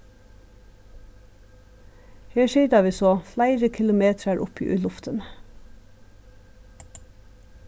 her sita vit so fleiri kilometrar uppi í luftini